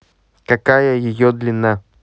какая ее длина